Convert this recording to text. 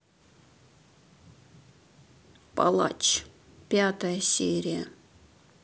палач пятая серия